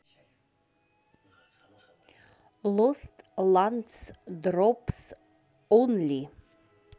lost lands дропс онли